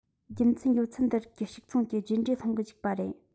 རྒྱུ མཚན ཡོད ཚད འདི རིགས ཀྱིས གཅིག མཚུངས ཀྱི རྗེས འབྲས སློང གི འཇུག པ རེད